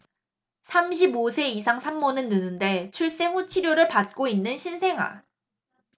삼십 오 세 이상 산모는 느는데출생 후 치료를 받고 있는 신생아